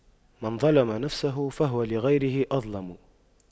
من ظَلَمَ نفسه فهو لغيره أظلم